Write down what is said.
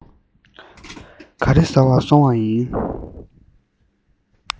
ག རེ ཟ བར སོང བ ཡིན